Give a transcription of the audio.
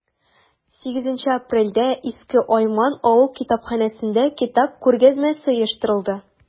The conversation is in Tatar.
8 апрельдә иске айман авыл китапханәсендә китап күргәзмәсе оештырылды.